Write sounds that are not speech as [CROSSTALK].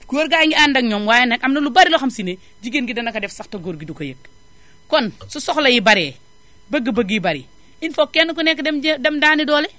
góor gaa ngi ànd ak ñoom waaye nag am na lu bari loo xam si ne jigéen gi dana ko def sax te góor gi du ko yëg kon [NOISE] su soxla yi baree bëgg-bëgg yi bari il faut que kenn ku nekk dem jéem dem daani doole